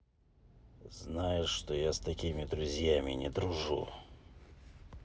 знаешь что я с такими друзьями не дружу